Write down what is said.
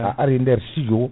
sa ari nder studio